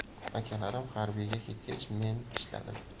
akalarim harbiyga ketgach men ishladim